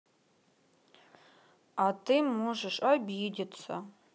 а ты можешь обидеться